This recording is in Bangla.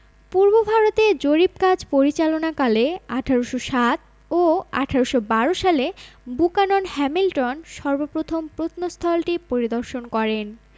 পূর্বভারতে জরিপ কাজ পরিচালনাকালে ১৮০৭ ও ১৮১২ সালে বুকানন হ্যামিল্টন সর্ব প্রথম প্রত্নস্থলটি পরিদর্শন করেন